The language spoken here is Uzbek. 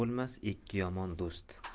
bo'lmas ikki yomon do'st